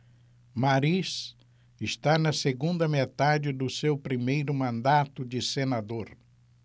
mariz está na segunda metade do seu primeiro mandato de senador